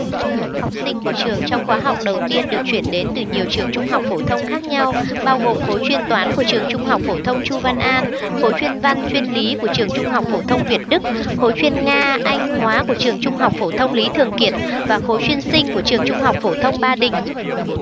học sinh của trường trong khóa học đầu tiên được chuyển đến từ nhiều trường trung học phổ thông khác nhau bao gồm khối chuyên toán của trường trung học phổ thông chu văn an khối chuyên văn chuyên lý của trường trung học phổ thông việt đức khối chuyên nga anh hóa của trường trung học phổ thông lý thường kiệt và khối chuyên sinh của trường trung học phổ thông ba đình